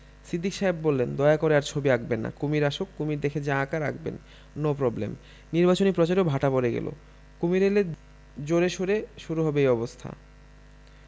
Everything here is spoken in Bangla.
সিদ্দিক সাহেব বললেন দয়া করে আর ছবি আঁকবেন না কুমীর আসুক কুমীর দেখে যা আঁকার আঁকবেন নো প্রবলেম নিবাচনী প্রচারেও ভাটা পড়ে গেল কুমীর এলে জোরে সোরে শুরু হবে এই অবস্থা